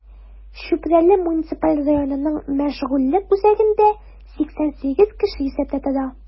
Чүпрәле муниципаль районының мәшгульлек үзәгендә 88 кеше исәптә тора.